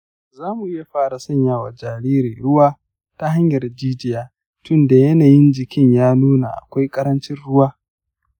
zamu fara sanya wa jaririn ruwa ta hanyar jijiya tunda yanayin jiki ya nuna akwai ƙarancin ruwa.